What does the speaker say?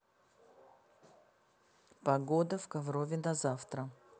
погода в коврове на завтра